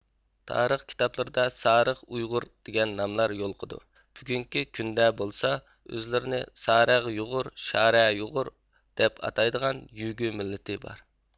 تارىخ كىتابلىرىدا سارىخ ئۇيغۇر دېگەن ناملار يولۇقىدۇ بۈگۈنكى كۈندە بولسا ئۆزلىرىنى سارەغ يۇغۇر شارا يۇغۇر دەپ ئاتايدىغان يۈگۇ مىللىتى بار